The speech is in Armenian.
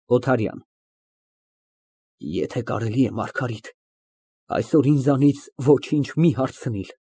ՕԹԱՐՅԱՆ ֊ Եթե կարելի է, Մարգարիտ, այսօր ինձանից ոչինչ մի հարցնիլ։